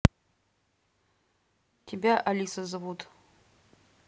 тебя алиса зовут